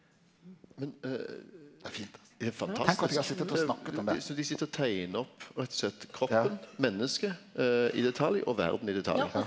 men er fantastisk så dei sit og teiknar opp rett og slett kroppen, mennesket i detalj og verda i detalj.